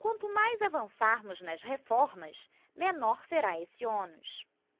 quanto mais avançarmos nas reformas menor será esse ônus